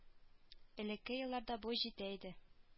Элекке елларда бу җитә иде